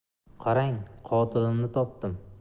qarang qotilimni topdim